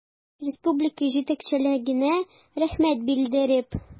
Республика җитәкчелегенә рәхмәт белдереп.